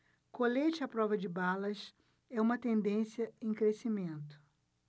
colete à prova de balas é uma tendência em crescimento